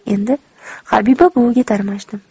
endi habiba buviga tarmashdim